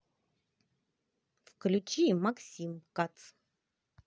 включи максим кац